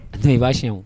A to yi i b'a siyɛn o.